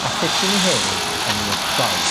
a sut 'dyn ni hefyd yn 'u osgoi?